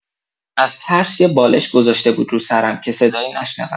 از ترس یه بالش گذاشته بودم رو سرم که صدایی نشنوم.